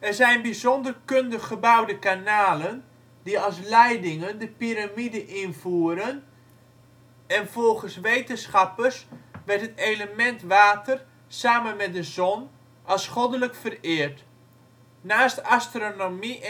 zijn bijzonder kundig gebouwde kanalen die als leidingen de piramide invoeren en volgens wetenschappers werd het element water samen met de zon als goddelijk vereerd. Naast astronomie